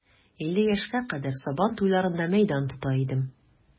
Илле яшькә кадәр сабан туйларында мәйдан тота идем.